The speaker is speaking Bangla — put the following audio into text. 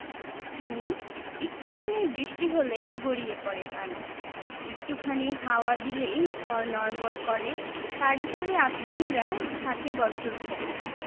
ছানি একটু খানি বৃষ্টি হলেই গড়িয়ে পড়ে পানি একটু খানি হাওয়া দিলেই ঘর নড়বড় করে তারি তলে আসমানীরা থাকে বছর ভরে